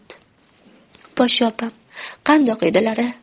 poshsha opam qandoq edilar a